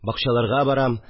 Бакчаларга барам